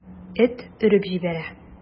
Эт өреп җибәрә.